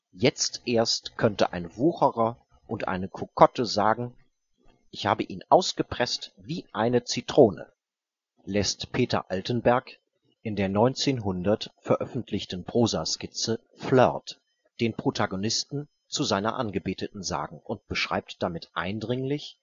Jetzt erst könnte ein Wucherer und eine Kokotte sagen: „ Ich habe ihn ausgepresst wie eine Zitrone! ‘“lässt Peter Altenberg in der 1900 veröffentlichten Prosaskizze Flirt den Protagonisten zu seiner Angebeteten sagen und beschreibt damit eindringlich